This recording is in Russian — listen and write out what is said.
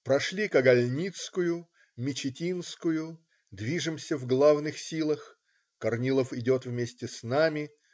Прошли Кагальницкую, Мечетинскую, движемся в главных силах. Корнилов идет вместе с нами.